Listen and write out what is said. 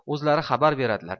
o'zlari xabar beradilar